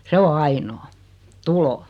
se on ainoa tulo